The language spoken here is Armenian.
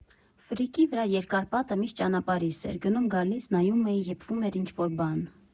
Ֆրիկի վրա երկար պատը միշտ ճանապարհիս էր, գնում֊գալիս, նայում էի, եփվում էր ինչ֊որ բան։